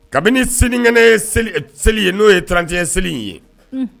Kabini selikɛnɛ seli ye n'o ye trantiɲɛ seli in ye